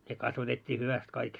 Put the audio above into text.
ne kasvatettiin hyvästi kaikki